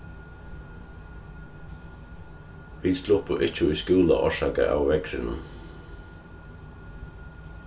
vit sluppu ikki í skúla orsakað av veðrinum